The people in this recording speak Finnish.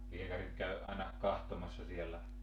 lääkärit kävi aina katsomassa siellä